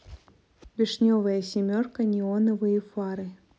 вишневая семерка неоновые фары